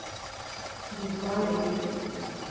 би два реки любви